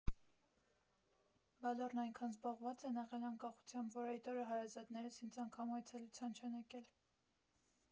Բոլորն այնքան զբաղված են եղել անկախությամբ, որ այդ օրը հարազատներս ինձ անգամ այցելության չեն եկել։